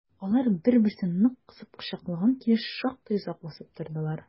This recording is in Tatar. Алар бер-берсен нык кысып кочаклаган килеш шактый озак басып тордылар.